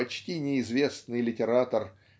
почти неизвестный литератор